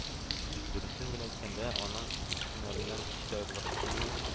Дөресен генә әйткәндә, аның үз һөнәреннән һич тә аерыласы килми